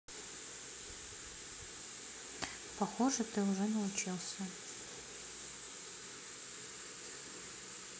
похоже ты уже научился